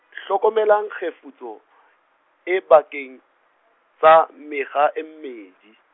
hlokomelang kgefutso, e pakeng, tsa mekga e mmedi.